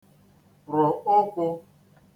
rụ̀ ụkwụ̄